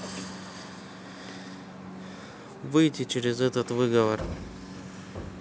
выйти через этот выговор